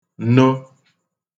no